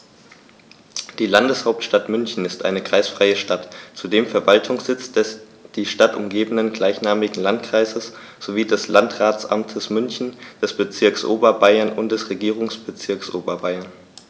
Die Landeshauptstadt München ist eine kreisfreie Stadt, zudem Verwaltungssitz des die Stadt umgebenden gleichnamigen Landkreises sowie des Landratsamtes München, des Bezirks Oberbayern und des Regierungsbezirks Oberbayern.